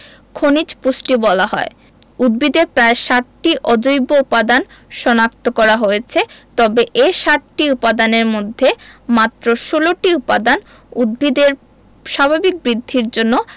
খনিজ পুষ্টি বলা হয় উদ্ভিদে প্রায় ৬০টি অজৈব উপাদান শনাক্ত করা হয়েছে তবে এই ৬০টি উপাদানের মধ্যে মাত্র ১৬টি উপাদান উদ্ভিদের স্বাভাবিক বৃদ্ধির জন্য